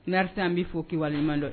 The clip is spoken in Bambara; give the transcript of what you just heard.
Narta an b'i fo k'i waleɲumandɔ